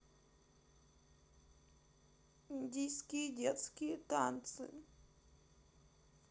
индийские детские танцы